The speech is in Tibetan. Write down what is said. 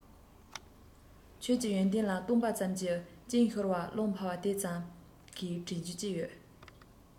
ཁྱོད ཀྱི ཡོན ཏན ལ བཏུངས པ ཙམ གྱིས གཅིན ཤོར བ རླུང འཕར བ དེ ཙམ གས དྲིན རྒྱུ ཅི ཡོད